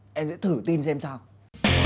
em sẽ thử tin xem sao